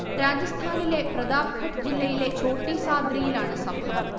രാജസ്ഥാനിലെ പ്രതാപ്ഖഡ് ജില്ലയിലെ ഛോട്ടി സാദ്രിയിലാണ് സംഭവം